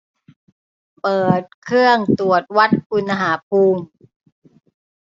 เปิดเครื่องตรวจวัดอุณหภูมิ